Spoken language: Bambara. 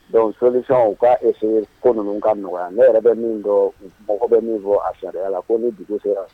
Donc seli saga, u ka ko essaye ko nunun ka nɔgɔya. Ne yɛrɛ bɛ min dɔn mɔgɔw bɛ min fɔ a sariya la ko ni dugu sera